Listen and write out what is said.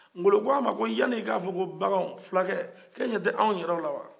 ngolo ko ko sani e ka fɔ ko baganw fulacɛ e ɲɛ tɛ an yɛrɛw la wa